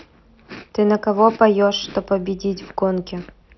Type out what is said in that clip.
ты на кого поешь что победить в гонке